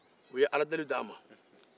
u ye aladeli di a ma